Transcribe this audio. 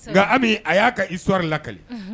Nka ami a y'a ka isɔrɔɔri laka